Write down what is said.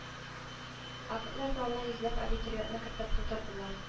Актлар залына йөзләп абитуриентны кертеп тутырдылар